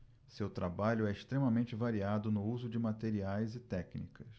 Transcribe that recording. seu trabalho é extremamente variado no uso de materiais e técnicas